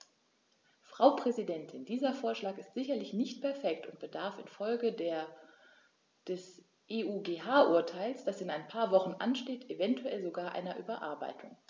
Frau Präsidentin, dieser Vorschlag ist sicherlich nicht perfekt und bedarf in Folge des EuGH-Urteils, das in ein paar Wochen ansteht, eventuell sogar einer Überarbeitung.